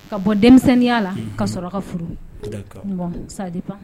Ka bɔ denmisɛnninya la ka sɔrɔ ka furu D'accord Bon ça dépend